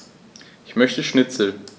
Ich möchte Schnitzel.